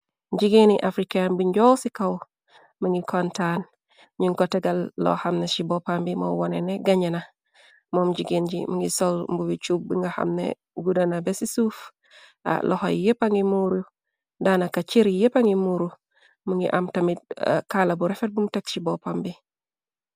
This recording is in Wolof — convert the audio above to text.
jigeen i african bi njoow ci kaw ma ngir kontaan ñun ko tegal loo xamna ci boppam bi moo wone ne gañe na moom jigéen ci m ngi sol mbubi cub bi nga xamne gudana be ci suuf loxay yéppa ngi muuru daana ka cëryi yeppa ngi muuru mu ngi am tamit kaala bu refet bum tex ci boppam bi